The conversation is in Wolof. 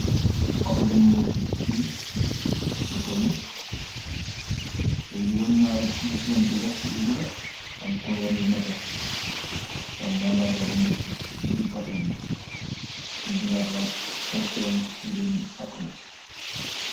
Paketi mbos ci chiis bu tegu, ay jurom nyari chiis lan ci def yu guda, am kuleer yu nete ab màndarka buñ def ci diggi paket bi nyu bi ndafa eichten's hidden acres